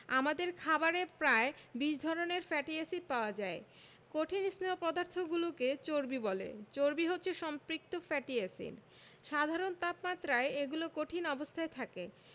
আমাদের খাবারে প্রায় ২০ ধরনের ফ্যাটি এসিড পাওয়া যায় কঠিন স্নেহ পদার্থগুলোকে চর্বি বলে চর্বি হচ্ছে সম্পৃক্ত ফ্যাটি এসিড সাধারণ তাপমাত্রায় এগুলো কঠিন অবস্থায় থাকে